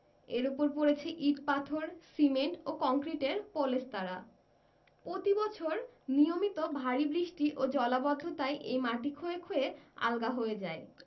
এর ওপর পড়েছে ইট পাথর সিমেন্ট ও কংক্রিটের পলেস্তারা প্রতিবছর নিয়মিত ভারি বৃষ্টি ও জলাবদ্ধতায় এই মাটি ক্ষয়ে ক্ষয়ে আলগা হয়ে যায়